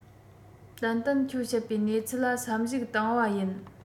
ཏན ཏན ཁྱོད བཤད པའི གནས ཚུལ ལ བསམ གཞིགས བཏང བ ཡིན